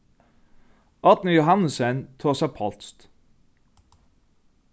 árni johannesen tosar pólskt